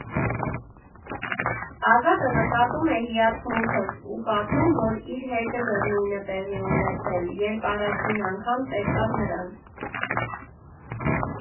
Ազատը նկատում է հիացմունքս ու պատմում, որ իր հետ էլ էր նույնը տեղի ունեցել, երբ առաջին անգամ տեսավ նրան։